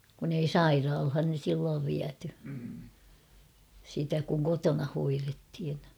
kun ei sairaalaan silloin viety sitä kun kotona hoidettiin